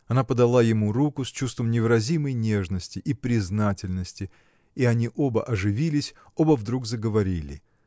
Она подала ему руку с чувством невыразимой нежности и признательности и они оба оживились оба вдруг заговорили.